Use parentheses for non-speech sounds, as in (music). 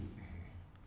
(hesitation) (hesitation)